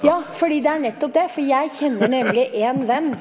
ja fordi det er nettopp det, for jeg kjenner nemlig én venn.